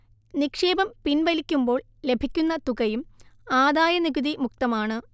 നിക്ഷേപം പിൻവലിക്കുമ്പോൾ ലഭിക്കുന്ന തുകയും ആദായനികുതി മുക്തമാണ്